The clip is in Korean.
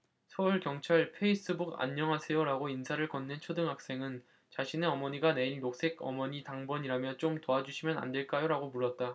서울 경찰 페이스북안녕하세요라고 인사를 건넨 초등학생은 자신의 어머니가 내일 녹색 어머니 당번이라며 좀 도와주시면 안될까요라고 물었다